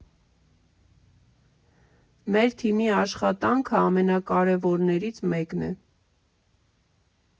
Մեր թիմի աշխատանքը ամենակարևորներից մեկն է։